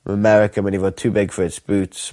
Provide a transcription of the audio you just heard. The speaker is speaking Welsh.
ma' 'Merica myn' i fod too big for it's boots